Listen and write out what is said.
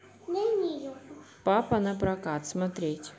папа напрокат смотреть